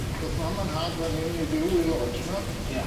Do'th mam a'n nhad fan hyn i fyw i lodge yma. Ie.